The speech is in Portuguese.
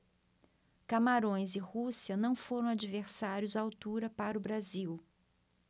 camarões e rússia não foram adversários à altura para o brasil